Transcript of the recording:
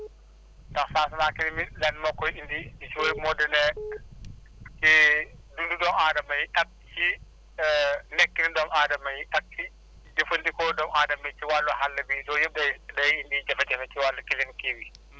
ndax changement clim bi lenn moo koy indi li si * moo di ne ci dundu doomu aadama yi ak si nekkinu doomu aadama yi ak ci jëfandikoo doomu aadama yi ci wàllu àll bi loolu yëpp day indi jafe-jafe ci wàllu clim kii bi